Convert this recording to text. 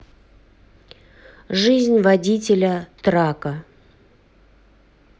жизнь водителя трака